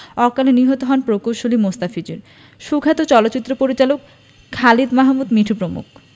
অকালে নিহত হন প্রকৌশলী মোস্তাফিজুর সুখ্যাত চলচ্চিত্র পরিচালক খালিদ মাহমুদ মিঠু প্রমুখ